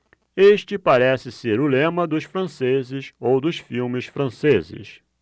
este parece ser o lema dos franceses ou dos filmes franceses